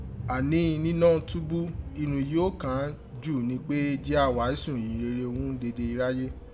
Ani ninọ́ tubu, irun yìí ó kàn an jù ni pé jí a waasùn iyinrire ghún dede iráyé.